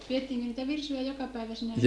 pidettiinkö niitä virsuja jokapäiväisinä jalkineina